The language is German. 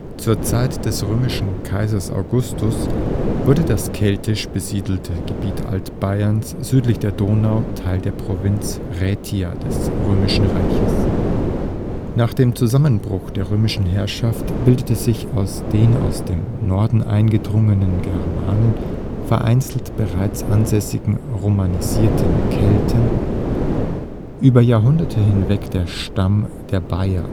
Zur Zeit des römischen Kaisers Augustus wurde das keltisch besiedelte Gebiet Altbayerns südlich der Donau Teil der Provinz Raetia des Römischen Reiches. Nach dem Zusammenbruch der römischen Herrschaft bildete sich aus den aus dem Norden eingedrungenen Germanen und vereinzelt bereits ansässigen romanisierten Kelten (Boier) über Jahrhunderte hinweg der Stamm der Baiern